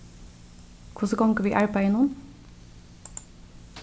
hvussu gongur við arbeiðinum